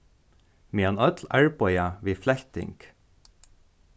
meðan øll arbeiða við fletting